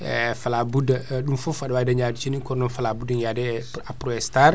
fala budda ɗum foof aɗa wawi dañde awdi ceenidi kono non fala budda ine yaade e Aprostar